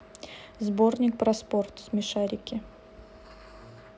сборник про спорт смешарики